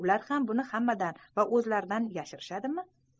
ular ham buni hammadan va o'zlaridan yashirishadimi